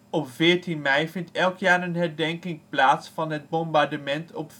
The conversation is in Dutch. Op 14 mei elk jaar vindt een herdenking plaats van het bombardement op